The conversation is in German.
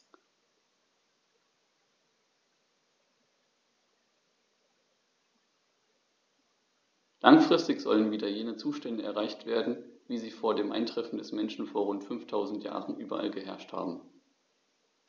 Langfristig sollen wieder jene Zustände erreicht werden, wie sie vor dem Eintreffen des Menschen vor rund 5000 Jahren überall geherrscht haben.